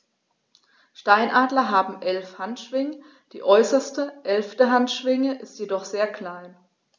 Steinadler haben 11 Handschwingen, die äußerste (11.) Handschwinge ist jedoch sehr klein.